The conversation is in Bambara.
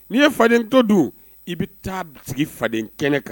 N'i ye faden to don i bɛ taa sigi faden kɛnɛ kan